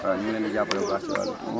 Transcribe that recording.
waaw ñu ngi leen di jàppale bu baaxci wàll bi